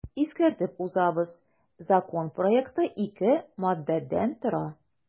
Искәртеп узабыз, закон проекты ике маддәдән тора.